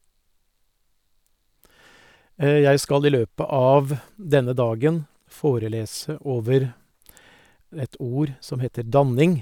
Jeg skal i løpet av denne dagen forelese over et ord som heter danning.